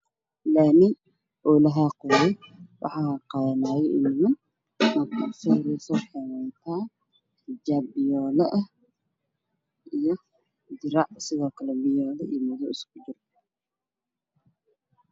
Waa laami waxaa xaqayo niman iyo naago ninka wuxuu wataa shaati surwaal nagaga waxay wataan cabaayado iyo xijaabo